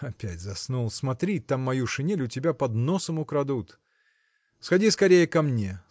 Опять заснул: смотри, там мою шинель у тебя под носом украдут! Сходи скорее ко мне